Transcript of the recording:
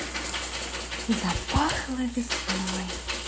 запахло весной